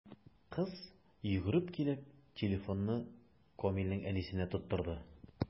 Кыз, йөгереп килеп, телефонны Камилнең әнисенә тоттырды.